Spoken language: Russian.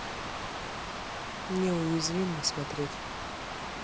неуязвимый смотреть